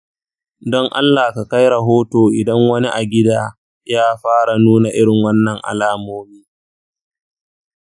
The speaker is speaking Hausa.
don allah ka kai rahoto idan wani a gida ya fara nuna irin wannan alamomi.